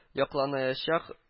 Якланаячак